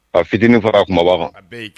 A fitinin fara kumaba wa